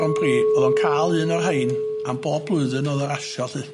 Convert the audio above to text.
Grand Prix o'dd o'n ca'l un o'r rhein am bob blwyddyn o'dd o rasio 'lly.